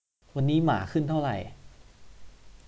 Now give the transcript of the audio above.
วันนี้หมาขึ้นเท่าไหร่